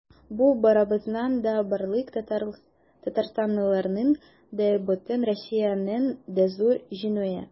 Бу барыбызның да, барлык татарстанлыларның да, бөтен Россиянең дә зур җиңүе.